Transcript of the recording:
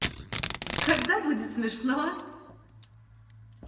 когда будет смешно